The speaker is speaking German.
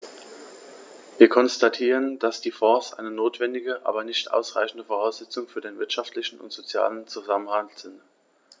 Wir konstatieren, dass die Fonds eine notwendige, aber nicht ausreichende Voraussetzung für den wirtschaftlichen und sozialen Zusammenhalt sind.